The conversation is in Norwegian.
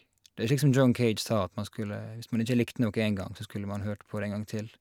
Det er slik som John Cage sa, at man skulle hvis man ikke likte noe én gang, så skulle man hørt på det en gang til.